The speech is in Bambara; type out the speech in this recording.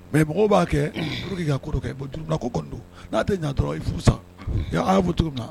Mɛ mɔgɔw b'a kɛuru ka juru kodo n'a tɛ ɲa dɔrɔn i furu sanbu na